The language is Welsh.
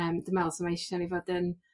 yym dwi me'wl so ma' isie ni ei fod yn